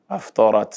A tɔɔrɔ